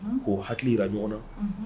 Ko hakilira ɲɔgɔn na